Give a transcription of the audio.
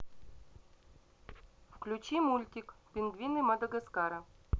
включи мультик пингвины мадагаскара